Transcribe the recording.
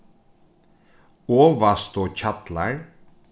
ovastuhjallar